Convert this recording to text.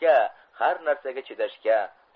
har narsaga chidashga